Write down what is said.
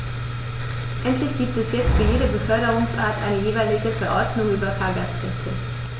Endlich gibt es jetzt für jede Beförderungsart eine jeweilige Verordnung über Fahrgastrechte.